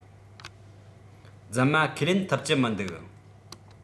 རྫུན མ ཁས ལེན ཐུབ ཀྱི མི འདུག